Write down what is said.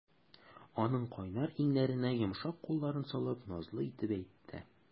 Аның кайнар иңнәренә йомшак кулларын салып, назлы итеп әйтте.